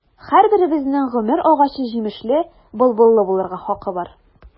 Һәрберебезнең гомер агачы җимешле, былбыллы булырга хакы бар.